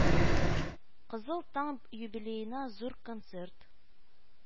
Кызыл таң юбилеена зур концерт